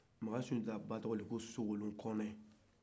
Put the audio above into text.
makan sunjata ba tɔgɔ de ye ko sogolon kone